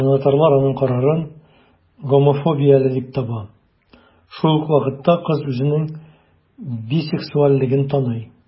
Җанатарлар аның карарын гомофобияле дип таба, шул ук вакытта кыз үзенең бисексуальлеген таный.